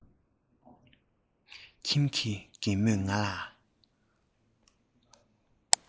ཁྱིམ གྱི རྒན མོས ང ལ